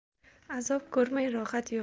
azob ko'rmay rohat yo'q